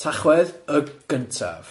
Tachwedd y gyntaf.